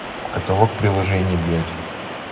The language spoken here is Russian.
каталог приложений блять